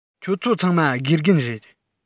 ཁྱོད ཚོ ཚང མ དགེ རྒན རེད